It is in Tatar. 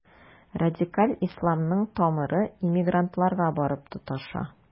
Радикаль исламның тамыры иммигрантларга барып тоташа.